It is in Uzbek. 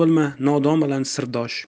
bo'lma nodon bilan sirdosh